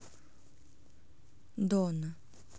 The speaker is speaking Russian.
дона